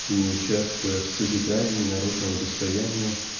и не участвуя в созидании народного достояния